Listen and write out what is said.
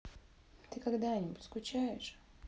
ты когда нибудь скучаешь